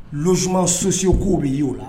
Sman sosiw kow bɛ' o la